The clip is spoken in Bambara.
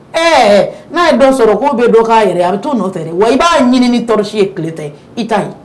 Ɛɛ n'a ye dɔ sɔrɔ k'o bɛ dɔ k'a yɛrɛ a bɛ t'o nɔ tɛ wa i b'a ɲini tɔɔrɔsi ye tile ta i t'a ye